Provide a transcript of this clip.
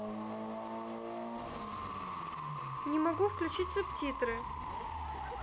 не могу включить субтитры